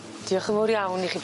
Diolch yn fowr iawn i chi...